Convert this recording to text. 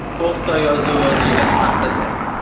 to'xta yozuvi yozilgan taxtacha